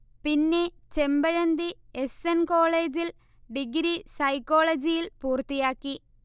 പിന്നെ, Chempazhanthi S. N. കോളജിൽ degree സൈക്കോളജിയിൽ പൂർത്തിയാക്കി